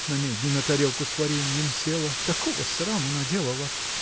намедни на тарелку с вареньем села – такого сраму наделала!